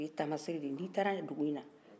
o ye tamasiɲɛ de ye ni taara nin dugu in na